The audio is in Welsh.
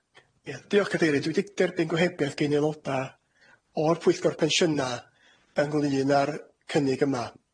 Ia, diolch Cadeiriydd. Dwi 'di derbyn gohebiaeth gan aeloda o'r Pwyllgor Pensiyna ynglŷn â'r cynnig yma.